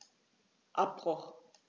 Abbruch.